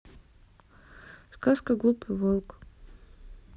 сказка глупый волк